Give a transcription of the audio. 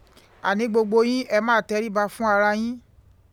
Àní gbogbo yín, ẹ máa tẹríbà fún ara yín